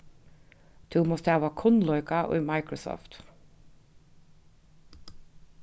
tú mást hava kunnleika í microsoft